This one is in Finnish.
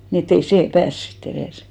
niin että ei se pääse sitten edes